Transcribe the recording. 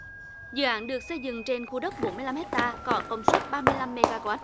dự án được xây dựng trên khu đất bốn mươi lăm héc ta có công suất ba mươi lăm mê ga oát